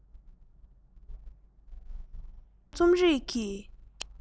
ཁྱོད རང རྩོམ རིག གི